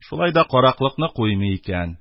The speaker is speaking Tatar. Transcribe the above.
Шулай да караклыкны куймый икән.